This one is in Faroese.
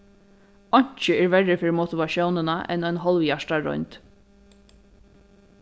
einki er verri fyri motivatiónina enn ein hálvhjartað roynd